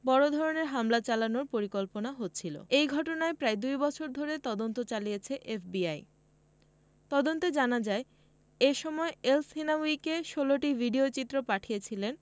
বড় ধরনের হামলা চালানোর পরিকল্পনা হচ্ছিল এ ঘটনায় প্রায় দুই বছর ধরে তদন্ত চালিয়েছে এফবিআই তদন্তে জানা যায় এ সময় এলসহিনাউয়িকে ১৬টি ভিডিওচিত্র পাঠিয়েছিলেন